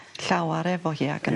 llawar efo hi ag yn...